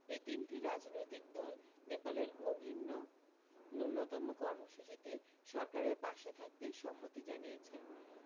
এই তিনটি রাজনৈতিক দল নেপালের অভিন্ন ন্যূনতম কর্মসূচীতে সরকারের পাশে থাকতে সম্মতি জানিয়েছে